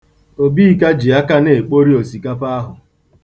Obika ji aka na-ekpori osikapa ahụ.